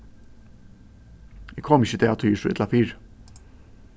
eg komi ikki í dag tí eg eri so illa fyri